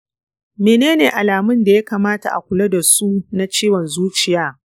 menene alamun da ya kamata a kula da su na ciwon zuciya?